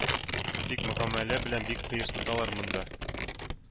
Тик мөгамәлә белән бик кыерсыталар монда.